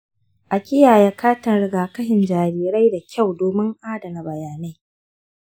a kiyaye katin rigakafin jarirai da kyau domin adana bayanai.